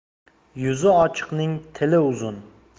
yuzi ochiqning till uzun